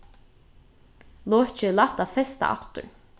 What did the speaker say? lokið er lætt at festa aftur